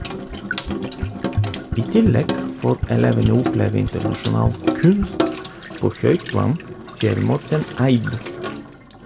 I tillegg får elevene oppleve internasjonal kunst på høyt plan, sier Morten Eid.